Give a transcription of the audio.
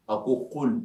A ko qul